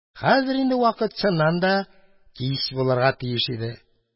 Хәзер инде вакыт, чыннан да, кич булырга тиеш иде